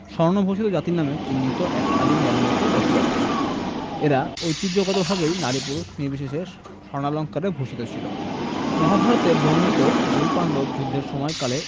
স্বর্ণভূষিত জাতি নামে চিহ্নিত এক আদিম জনগোষ্ঠীর বসবাস ছিল এরা ঐতিহ্যগতভাবেই নারী পুরুষ নির্বিশেষে স্বর্ণালঙ্কারে ভূষিত ছিল মহাভারতে বর্ণিত গুরুপান্ডব যুদ্ধের সময়কালে